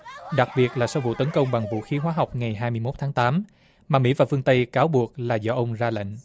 đặc biệt là sau vụ tấn công bằng vũ khí hóa học ngày hai mươi mốt tháng tám mà mỹ và phương tây cáo buộc là do ông ra lệnh